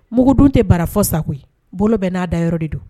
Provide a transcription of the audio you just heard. Mugu dun tɛ bara fɔ sago bolo bɛɛ n'a da yɔrɔ de don